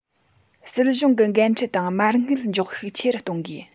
སྲིད གཞུང གི འགན འཁྲི དང མ དངུལ འཇོག ཤུགས ཆེ རུ གཏོང དགོས